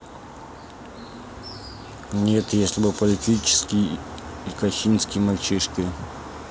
нет если бы политические и косинский мальчишки